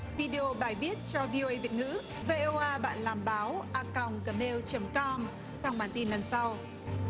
vi đi ô bài viết cho vi ô ây việt ngữ vê ô a bạn làm báo a còng gờ mêu chấm com trong bản tin lần sau